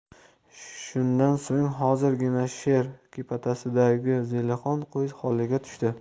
shundan so'ng hozirgina sher kepatasidagi zelixon qo'y holiga tushdi